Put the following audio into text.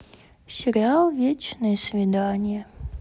сериал вечное свидание